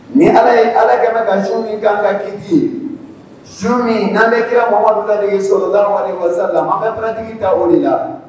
Ni ala ye ala kɛmɛ ka su min k'a ka ki ye su min n'an bɛ kira mamamadu la dege solada masa la an bɛ banatigi ta o de la